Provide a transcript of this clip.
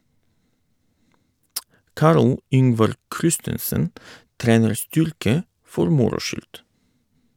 Carl Yngvar Christensen trener styrke for moro skyld.